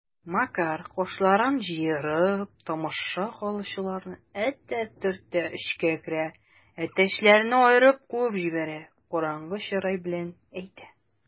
Макар, кашларын җыерып, тамаша кылучыларны этә-төртә эчкә керә, әтәчләрне аерып куып җибәрә, караңгы чырай белән әйтә: